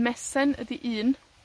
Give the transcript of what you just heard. Mesen ydi un.